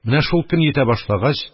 Менә шул көн йитә башлагач,